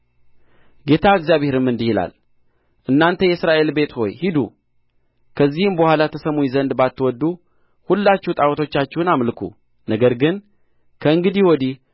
ጌታ እግዚአብሔርም እንዲህ ይላል እናንተ የእስራኤል ቤት ሆይ ሂዱ ከዚህም በኋላ ትሰሙኝ ዘንድ ባትወድዱ ሁላችሁ ጣዖቶቻችሁን አምልኩ ነገር ግን ከእንግዲህ ወዲህ